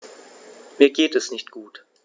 Mir geht es nicht gut.